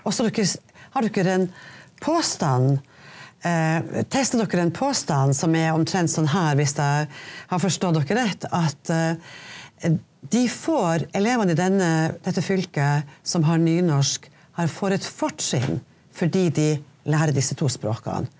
og så har dere en påstand testar dere en påstand som er omtrent sånn her hvis jeg har forstått dere rett at de får elevene i denne dette fylket som har nynorsk har får et fortrinn fordi de lærer disse to språkene.